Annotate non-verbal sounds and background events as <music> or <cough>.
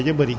<hesitation> <hesitation>